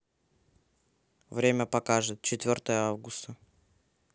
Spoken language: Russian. время покажет четвертое августа